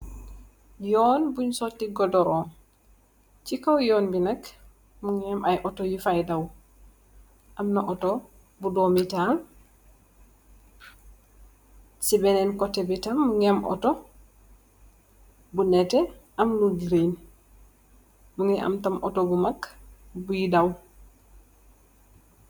Yun bunye suti godorong si kaw yub bi nak mungi am aye autor yufy daw amna autor bu domi taal si benen koteh bi mungi am autor bu neteh am lu green mungi ame tam autor bu mak buye daw.